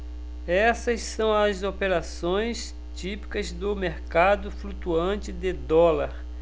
essas são as operações típicas do mercado flutuante de dólar